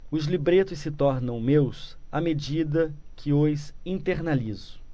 os libretos se tornam meus à medida que os internalizo